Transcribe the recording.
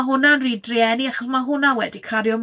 A ma' hwnna'n rili drueni, achos ma' hwnna wedi cario